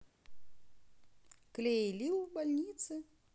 клей и lil в больнице